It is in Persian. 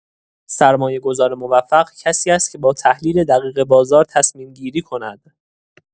سرمایه‌گذار موفق کسی است که با تحلیل دقیق بازار تصمیم‌گیری کند.